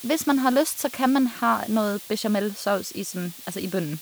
Hvis man har lyst, så kan man ha noe bechamelsaus i, sånn altså i bunnen.